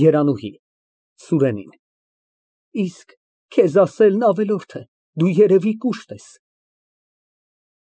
ԵՐԱՆՈՒՀԻ ֊ (Սուրենին)։ Իսկ քեզ ասելն ավելորդ է, դու, երևի, կուշտ ես։